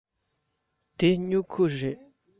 འདི སྨྱུ གུ རེད